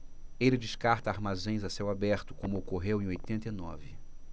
ele descarta armazéns a céu aberto como ocorreu em oitenta e nove